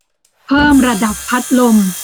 เพิ่มระดับพัดลม